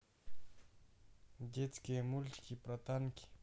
детские мультики про танки